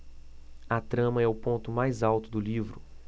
a trama é o ponto mais alto do livro